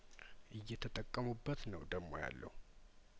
እየተጠቀሙበት ነው ደሞ ያለው